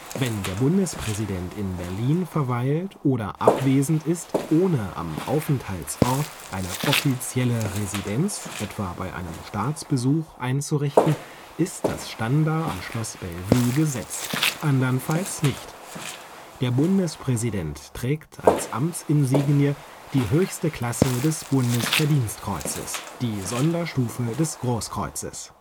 Wenn der Bundespräsident in Berlin verweilt oder abwesend ist, ohne am Aufenthaltsort eine offizielle Residenz (etwa bei einem Staatsbesuch) einzurichten, ist das Stander am Schloss Bellevue gesetzt, andernfalls nicht. Der Bundespräsident trägt als Amtsinsignie die höchste Klasse des Bundesverdienstkreuzes, die Sonderstufe des Großkreuzes